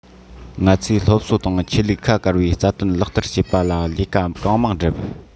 ང ཚོས སློབ གསོ དང ཆོས ལུགས ཁ བཀར བའི རྩ དོན ལག བསྟར བྱེད པ ལ ལས ཀ གང མང བསྒྲུབས